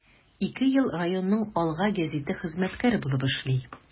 Ике ел районның “Алга” гәзите хезмәткәре булып эшли.